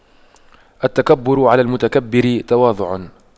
التكبر على المتكبر تواضع